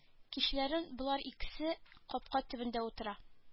Кичләрен болар икесе капка төбендә утыра